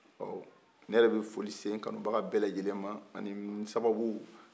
ne yɛrɛ bɛ foli se n kanubaga bɛɛ ma ani n sababuw